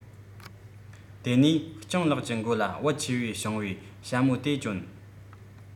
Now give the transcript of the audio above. དེ ནས སྤྱང ལགས ཀྱི མགོ ལ བུ ཆེ བའི ཕྱིང པའི ཞྭ མོ དེ གྱོན